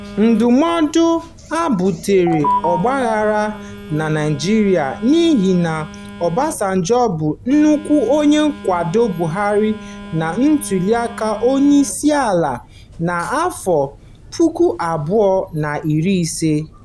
Ndụmọdụ a butere ọgbaghara na Naịjirịa n'ihi na Obasanjo bụ nnukwu onye nkwado Buhari na ntụliaka onyeisiala nke afọ 2015.